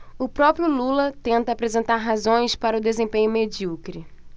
o próprio lula tenta apresentar razões para o desempenho medíocre